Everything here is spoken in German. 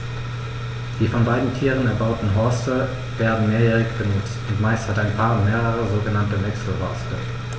Die von beiden Tieren erbauten Horste werden mehrjährig benutzt, und meist hat ein Paar mehrere sogenannte Wechselhorste.